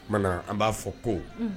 O tuma na an b'a fɔ ko